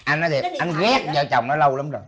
anh nói thiệt anh ghét vợ chồng nó lâu lắm rồi